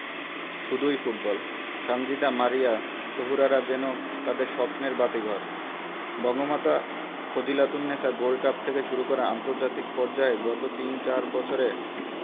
শুধুই ফুটবল সানজিদা মারিয়া তহুরারা যেন তাদের স্বপ্নের বাতিঘর বঙ্গমাতা ফজিলাতুন্নেছা গোল্ড কাপ থেকে শুরু করে আন্তর্জাতিক পর্যায়ে গত তিন চার বছরে